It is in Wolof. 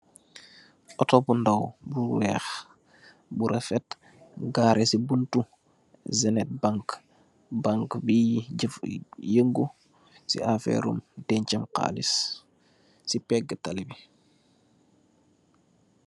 Auto bu ndaw bu weex bu refet gareh si bunti Zenith Bank Bank bi yengu si aferi dencham xaliss si pegu talibi.